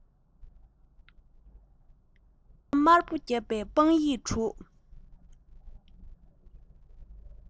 ཐམ ག དམར པོ བརྒྱབ པའི དཔང ཡིག དྲུག